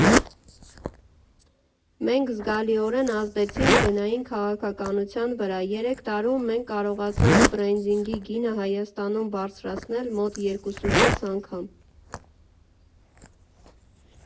Մենք զգալիորենազդեցինք գնային քաղաքականության վրա։ Երեք տարում մենք կարողացանք բրենդինգի գինը Հայաստանում բարձրացնել մոտ երկուսուկես անգամ։